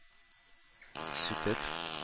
Сүтеп